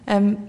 yym